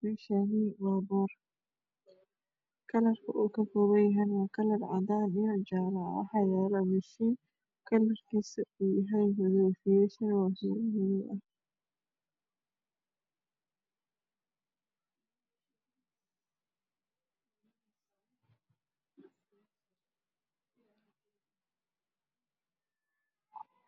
Meshani waa boor kalarka okakobanyahay waa kalar cadan iyo jaalo waxaa yaalo mashiin kalarkiisu yahay madow fiilashana waa bulug iyo madow ah